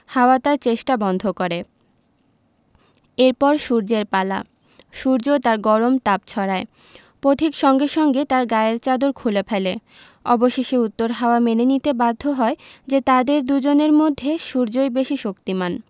হাওয়া তার চেষ্টা বন্ধ করে এর পর সূর্যের পালা সূর্য তার গরম তাপ ছড়ায় পথিক সঙ্গে সঙ্গে তার গায়ের চাদর খুলে ফেলে অবশেষে উত্তর হাওয়া মেনে নিতে বাধ্য হয় যে তাদের দুজনের মধ্যে সূর্যই বেশি শক্তিমান